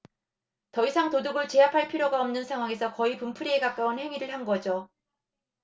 더 이상 도둑을 제압할 필요가 없는 상황에서 거의 분풀이에 가까운 행위를 한 거죠